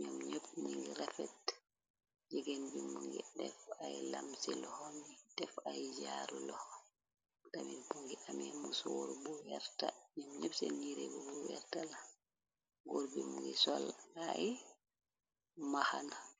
ñoom ñepp ningi refet jegen bi mu ngi def ay lam ci luxoni def ay jaaru lox tamin bungi amee musoor bom ñepp seen yirebu bu werta la góor bi mu ngi solaayi mahana